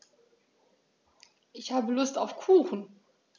Ich habe Lust auf Kuchen.